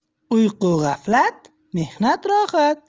uyqu g'aflat mehnat rohat